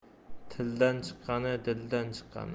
tildan chiqqani dildan chiqqani